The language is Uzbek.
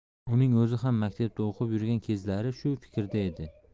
uning o'zi ham maktabda o'qib yurgan kezlari shu fikrda edi